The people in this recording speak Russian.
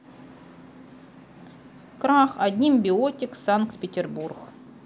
крах одним биотик санкт петербург